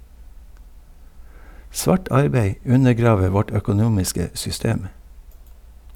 Svart arbeid undergraver vårt økonomiske system.